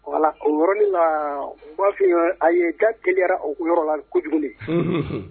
Wala oɔrɔnin la bafin a ye ga kelenyara o yɔrɔ la kojugu